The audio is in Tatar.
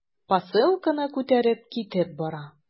Посылканы күтәреп китеп бара.